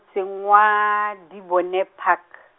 motseng wa, Dibone Park.